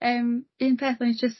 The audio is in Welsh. Yym un peth o'n i jyst